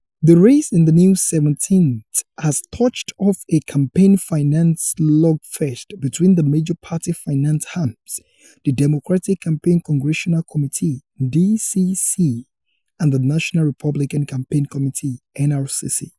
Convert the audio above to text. The race in the new 17th has touched off a campaign finance slugfest between the major party finance arms, the Democratic Campaign Congressional Committee (DCCC) and the National Republican Campaign Committee (NRCC).